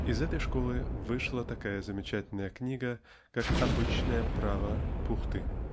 Из этой школы вышла такая замечательная книга как "Обычное право" Пухты.